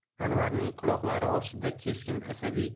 anvarning quloqlari ostida keskin asabiy